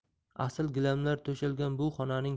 asl gilamlar to'shalgan bu xonaning